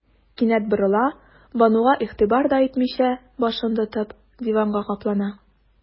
Кинәт борыла, Бануга игътибар да итмичә, башын тотып, диванга каплана.